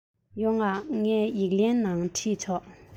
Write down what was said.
ཡོང ང ངས ཡིག ལན ནང བྲིས ཆོག